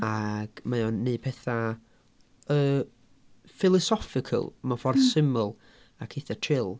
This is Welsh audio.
Ac mae o'n wneud pethau yy philosophical mewn ffordd... hmm ...syml. Ac eitha chill.